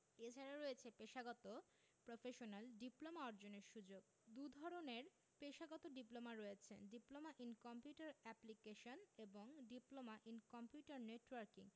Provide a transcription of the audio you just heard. এছাড়া রয়েছে পেশাগত প্রফেশনাল ডিপ্লোমা অর্জনের সুযোগ দুধরনের পেশাগত ডিপ্লোমা রয়েছে ডিপ্লোমা ইন কম্পিউটার অ্যাপ্লিকেশন এবং ডিপ্লোমা ইন কম্পিউটার নেটওয়ার্কিং